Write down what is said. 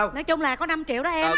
nói chung là có năm triệu đó em